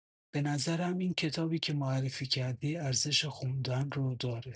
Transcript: به نظرم این کتابی که معرفی کردی ارزش خوندن رو داره.